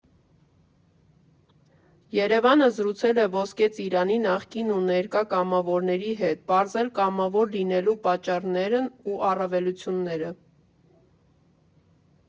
ԵՐԵՎԱՆԸ զրուցել է Ոսկե Ծիրանի նախկին ու ներկա կամավորների հետ, պարզել կամավոր լինելու պատճառներն ու առավելությունները։